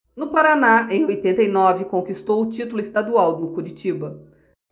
no paraná em oitenta e nove conquistou o título estadual no curitiba